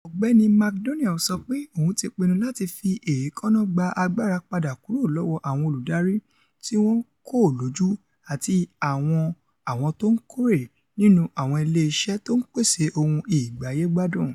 Ọ̀gbẹ́ni McDonnell sọ pé òun ti pinnu làti fi èékánná gba agbára padà kuro lọ́wọ́ 'àwọn olùdari tíwọn kò lójú' àti àwọn 'àwọn tó ńkórè' nínú àwọn ilé isẹ́ tó ńpèsè ohun ìgbáyé-gbádùn.